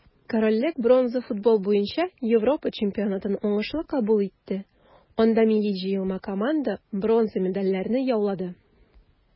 Корольлек бронза футбол буенча Европа чемпионатын уңышлы кабул итте, анда милли җыелма команда бронза медальләрне яулады.